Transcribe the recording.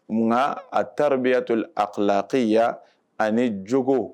Nka a tarbiyatoul aklakhiya ani joko